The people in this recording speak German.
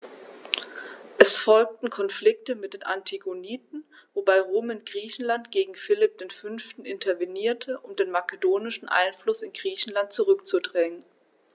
Es folgten Konflikte mit den Antigoniden, wobei Rom in Griechenland gegen Philipp V. intervenierte, um den makedonischen Einfluss in Griechenland zurückzudrängen.